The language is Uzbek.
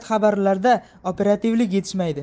xabarlarda operativlik yetishmaydi